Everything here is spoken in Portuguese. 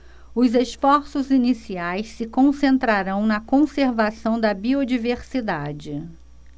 os esforços iniciais se concentrarão na conservação da biodiversidade